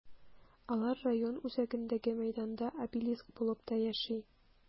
Алар район үзәгендәге мәйданда обелиск булып та яши.